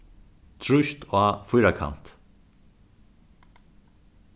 trýst á fýrakant